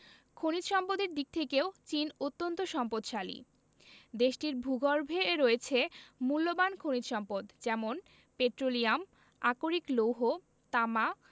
খনিজ সম্পদের দিক থেকেও চীন অত্যান্ত সম্পদশালী দেশটির ভূগর্ভে রয়েছে মুল্যবান খনিজ সম্পদ যেমন পেট্রোলিয়াম আকরিক লৌহ তামা